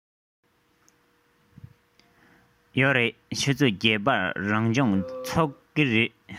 ཡོད རེད ཆུ ཚོད བརྒྱད པར རང སྦྱོང འགོ ཚུགས ཀྱི རེད